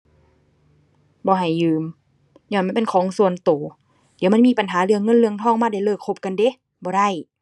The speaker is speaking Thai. บ่ให้ยืม ญ้อนมันเป็นของส่วนตัว เดี๋ยวมันมีปัญหาเรื่องเงินเรื่องทองมา ได้เลิกคบกันเดะ บ่ได้